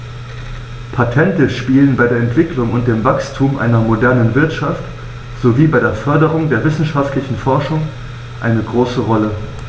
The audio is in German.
Patente spielen bei der Entwicklung und dem Wachstum einer modernen Wirtschaft sowie bei der Förderung der wissenschaftlichen Forschung eine große Rolle.